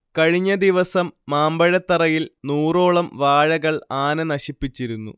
കഴിഞ്ഞദിവസം മാമ്പഴത്തറയിൽ നൂറോളം വാഴകൾ ആന നശിപ്പിച്ചിരുന്നു